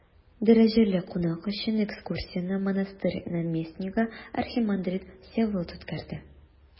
Дәрәҗәле кунак өчен экскурсияне монастырь наместнигы архимандрит Всеволод үткәрде.